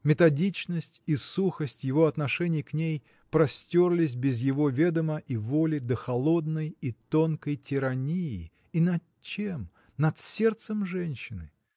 Методичность и сухость его отношений к ней простерлись без его ведома и воли до холодной и тонкой тирании и над чем? над сердцем женщины!